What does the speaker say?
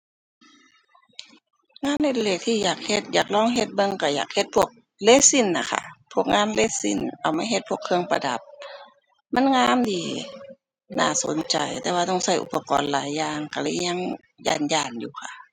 งานอดิเรกที่อยากเฮ็ด อยากลองเฮ็ดเบิ่งก็อยากเฮ็ดพวกเรซินน่ะค่ะ พวกงานเรซิน เอามาเฮ็ดพวกเครื่องประดับ มันงามดี น่าสนใจ แต่ว่าต้องก็อุปกรณ์หลายอย่าง ก็เลยยัง ย้านย้านอยู่ค่ะ